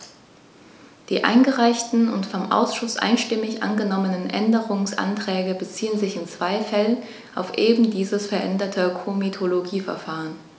Die eingereichten und vom Ausschuss einstimmig angenommenen Änderungsanträge beziehen sich in zwei Fällen auf eben dieses veränderte Komitologieverfahren.